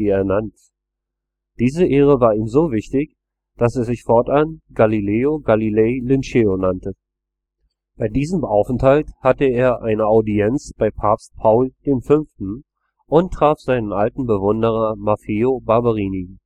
ernannt. Diese Ehre war ihm so wichtig, dass er sich fortan Galileo Galilei Linceo nannte. Bei diesem Aufenthalt hatte er eine Audienz bei Papst Paul V. und traf seinen alten Bewunderer Maffeo Barberini